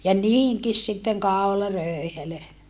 ja niihinkin sitten kaularöyhelö